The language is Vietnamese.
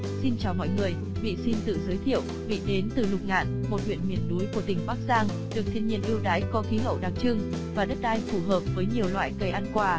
xin chào mọi người mị xin tự giới thiệu mị đến từ lục ngạn một huyện miền núi của tỉnh bắc giang được thiên nhiên ưu đãi có khí hậu đặc trưng và đất đai phù hợp với nhiều loại cây ăn quả